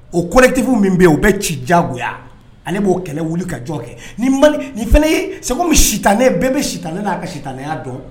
O kolɛtifu min bɛ yen u bɛ ci jagoya ale b'o kɛlɛ wuli ka jɔn kɛ ni ni fana ye segu sitan ne bɛɛ bɛ sitan'a ka sitanya dɔn